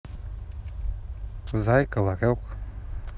зайка ларек